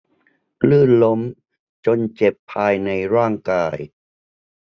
ลื่นล้มจนเจ็บภายในร่างกาย